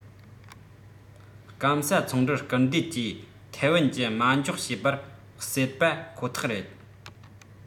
སྐམ ས ཚོང འགྲུལ སྐུལ འདེད ཀྱིས ཐའེ དབན གྱི མ འཇོག བྱས པར ཟེར པ ཁོ ཐག རེད